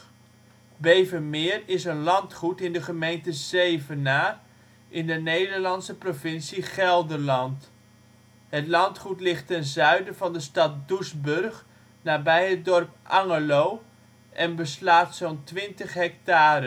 landgoed in de gemeente Zevenaar, in de Nederlandse provincie Gelderland. Het landgoed ligt ten zuiden van de stad Doesburg nabij het dorp Angerlo en beslaat zo 'n 20ha